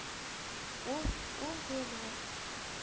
Ул уң кулына